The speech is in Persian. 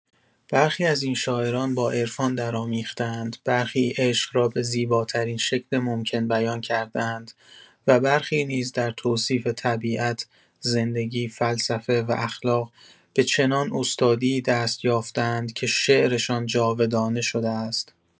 برخی از این شاعران با عرفان درآمیخته‌اند، برخی عشق را به زیباترین شکل ممکن بیان کرده‌اند و برخی نیز در توصیف طبیعت، زندگی، فلسفه و اخلاق به چنان استادی دست یافته‌اند که شعرشان جاودانه شده است.